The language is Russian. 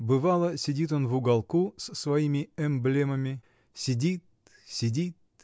Бывало, сидит он в уголке с своими "Эмблемами" -- сидит. сидит